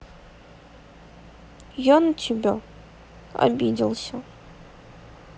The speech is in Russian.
я на тебя обиделся